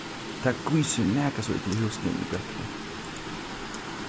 tað gýsur nakað so illa í húsinum í brekkuni